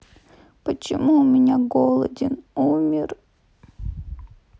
почему у меня голоден умер